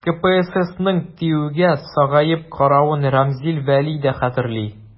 КПССның ТИҮгә сагаеп каравын Римзил Вәли дә хәтерли.